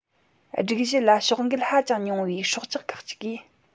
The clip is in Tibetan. སྒྲིག གཞི ལ ཕྱོགས འགལ ཧ ཅང ཉུང བའི སྲོག ཆགས ཁག གཅིག གིས